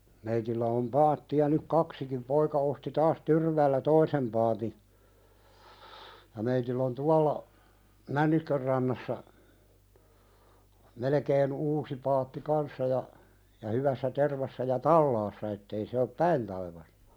meillä on paatteja nyt kaksikin poika osti taas Tyrväällä toisen paatin ja meillä on tuolla Människönrannassa melkein uusi paatti kanssa ja ja hyvässä tervassa ja talaassa että ei se ole päin taivasta